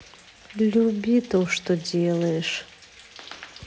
люби то что делаешь